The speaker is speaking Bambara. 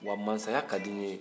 wa mansaya ka di n ye